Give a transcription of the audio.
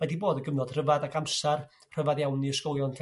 mae 'di bod yn gyfnod rhyfadd ac amsar rhyfadd iawn i ysgolion